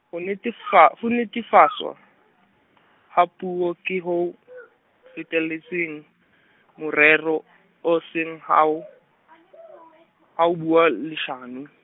ho netefa-, ho netefatswa, ha puo, ke ho feteletseng morero o seng ha o , ha o bua l- leshano.